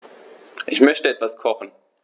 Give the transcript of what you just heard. Ich möchte etwas kochen.